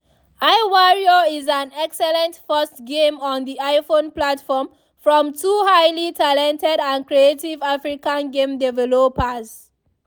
iWarrior is an excellent first game on the iPhone platform from two highly talented and creative African game developers.